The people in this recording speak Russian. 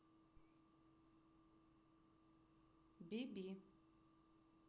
bb